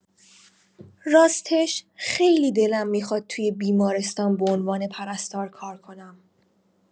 راستش خیلی دلم می‌خواد توی بیمارستان به عنوان پرستار کار کنم.